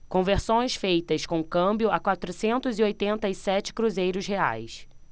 conversões feitas com câmbio a quatrocentos e oitenta e sete cruzeiros reais